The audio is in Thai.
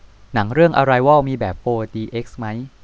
หนังเรื่องอะไรวอลมีแบบโฟร์ดีเอ็กซ์มั้ย